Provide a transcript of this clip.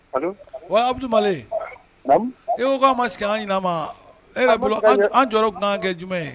Alo! wai Abudu Male , naamun ? I ko ka ma sigi an ɲinaman. E yɛrɛ bolo anw jɔ yɔrɔ kun kan ka kɛ jumɛn ye?